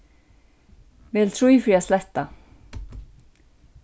vel trý fyri at sletta